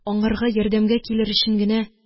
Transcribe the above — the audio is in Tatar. Аңарга ярдәмгә килер өчен генә